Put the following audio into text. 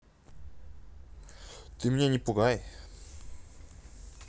ты меня не пугай